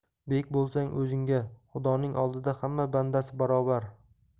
bek bo'lsang o'zingga xudoning oldida hamma bandasi barobar